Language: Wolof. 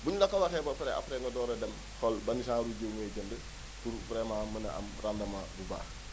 buén la ko waxee ba pare après nga door a dem xool ban genre ru jiwu ngay jënd pour vraiment mën a am rendement bu baax